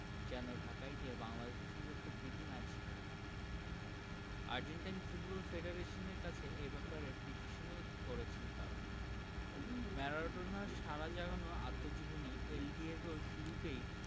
যেন ঢাকায় গিয়ে বাংলাদেশের সঙ্গে একটা প্রীতি ম্যাচ খেলেন আর্জেন্টাইন ফুটবল ফেডারেশনের কাছে এ ব্যাপারে পিটিশনও করেছেন তাঁরা ম্যারাডোনার সাড়া জাগানো আত্মজীবনী এল ডিয়েগো র শুরুতেই